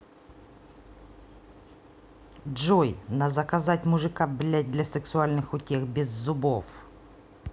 джой на заказать мужика блять для сексуальных утех без зубов